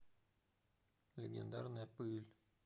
легендарная пыль